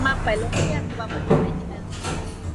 มักไปโรงเรียน เพราะว่าข้อยสอบได้ที่หนึ่ง